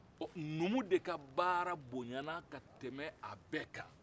ɔ numu de ka baara bonyana ka tɛmɛ a bɛɛ kan